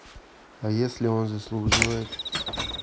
а если он заслуживает